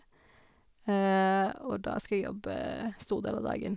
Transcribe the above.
Og da skal jeg jobbe store deler av dagen.